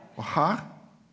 og her.